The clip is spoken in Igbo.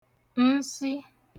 nsi